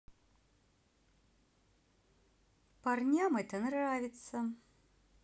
парням это нравится